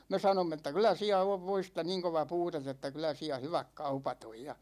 no me sanoimme että kyllä siellä on voista niin kova puute että kyllä siellä hyvät kaupat on ja